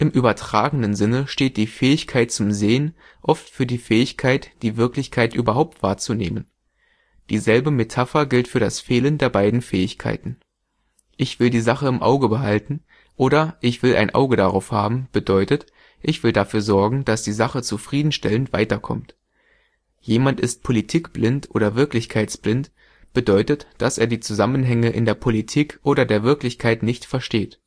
übertragenen Sinne steht die Fähigkeit zu Sehen oft für die Fähigkeit, die Wirklichkeit überhaupt wahrzunehmen. Dieselbe Metapher gilt für das Fehlen der beiden Fähigkeiten: „ Ich will die Sache im Auge behalten “oder „ Ich will ein Auge darauf haben. “bedeutet: Ich will dafür sorgen, dass die Sache zufriedenstellend weiterkommt. „ Jemand ist politikblind oder wirklichkeitsblind “bedeutet, dass er die Zusammenhänge in der Politik oder der Wirklichkeit nicht versteht